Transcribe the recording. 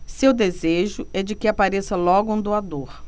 seu desejo é de que apareça logo um doador